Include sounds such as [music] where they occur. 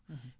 [hesitation] [hesitation]